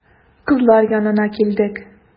Кызлар янына килдек.